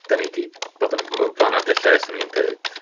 Dan ni 'di bod yn m-... fan'na 'di'r lle 'swn i'n deud.